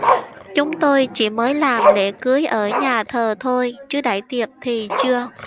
chúng tôi chỉ mới làm lễ cưới ở nhà thờ thôi chứ đãi tiệc thì chưa